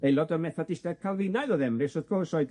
Aelod o Methodistiaid Calfinaidd oedd Emrys, wrth gwrs, oedd